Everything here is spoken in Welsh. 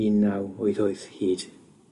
un naw wyth wyth hyd